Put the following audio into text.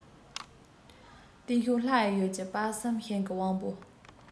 སྟེང ཕྱོགས ལྷ ཡི ཡུལ གྱི དཔག བསམ ཤིང གི དབང པོ